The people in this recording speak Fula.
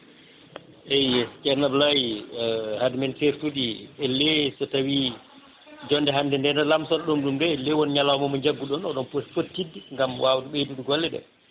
eyyi ceerno Abdoulaye haade men certude elle so tawi jonde hande nde nde lamtoto ɗum nde elle woon ñalawma mo jagguɗon oɗo pooti fokkidde gam wawde ɓeydude golleɗe